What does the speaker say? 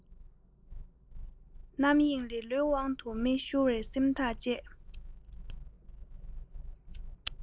རྣམ གཡེང ལེ ལོའི དབང དུ མི ཤོར བའི སེམས ཐག བཅད